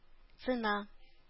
Цена